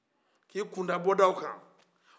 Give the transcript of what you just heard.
ka a kunda bɔdaw kan